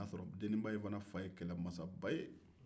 o y'a sɔrɔ deninba in fana fa ye kɛlɛmasaba ye